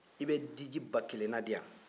i bɛ diji ba kelen na di yan